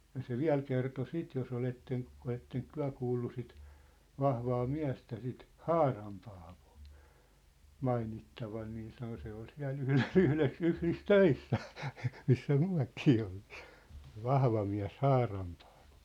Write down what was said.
ja se vielä kertoi sitten jos olette oletteko te kuullut sitten vahvaa miestä sitä Haaran Paavoa mainittavan niin sanoi se oli siellä yhdessä yhdessä - töissä missä mekin oltiin se vahva mies Haaran Paavo